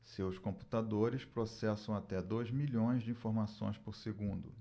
seus computadores processam até dois milhões de informações por segundo